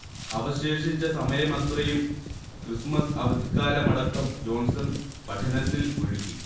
അവശേഷിച്ച സമയമത്രയും ക്രിസ്മസ് അവധിക്കാലമടക്കം ജോൺസൺ പഠനത്തിൽ മുഴുകി